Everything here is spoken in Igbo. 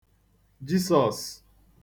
Jisos